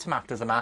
tomatos yma